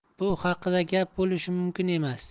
bu haqida gap bo'lishi mumkin emas